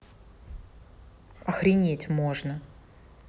охренеть можно